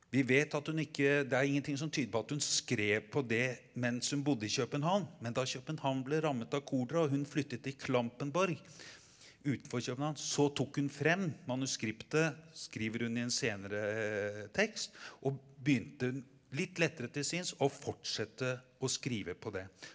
vi vet at hun ikke det er ingenting som tyder på at hun skrev på det mens hun bodde i København men da København ble rammet av kolera og hun flyttet i Klampenborg utenfor København så tok hun frem manuskriptet skriver hun i en senere tekst og begynte litt lettere til sinns å fortsette å skrive på det.